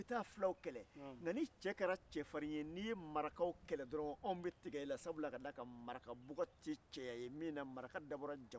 ko fa ye den de bɛ fili nka fa lamɛden o tɛ fili